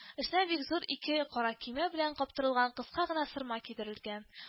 Өстенә бик зур ике кара төймә белән каптырылган кыска гына сырма кидерелгән